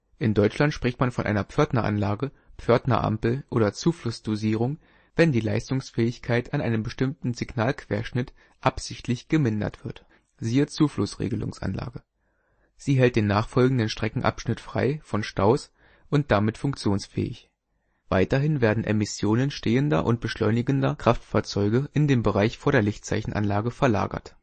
In Deutschland spricht man von einer Pförtneranlage, Pförtnerampel oder Zuflussdosierung, wenn die Leistungsfähigkeit an einem bestimmten Signalquerschnitt absichtlich gemindert wird; siehe Zuflussregelungsanlage. Sie hält den nachfolgenden Streckenabschnitt frei von Staus und damit funktionsfähig. Weiterhin werden Emissionen stehender und beschleunigender Kraftfahrzeuge in den Bereich vor der Lichtzeichenanlage verlagert